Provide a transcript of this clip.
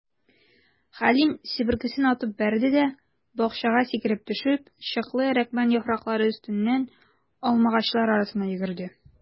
Хәлим, себеркесен атып бәрде дә, бакчага сикереп төшеп, чыклы әрекмән яфраклары өстеннән алмагачлар арасына йөгерде.